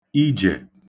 ijè